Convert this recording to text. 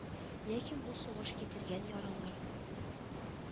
Ләкин бу сугыш китергән яралар